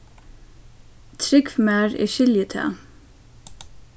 trúgv mær eg skilji tað